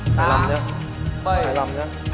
tám bẩy